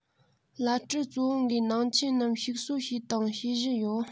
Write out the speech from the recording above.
བླ སྤྲུལ གཙོ བོ འགའི ནང ཆེན རྣམས ཞིག གསོ བྱས དང བྱེད བཞིན ཡོད